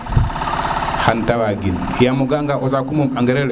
xan te waa gin yamo o ga a nga o saku muum engrais